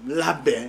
N labɛn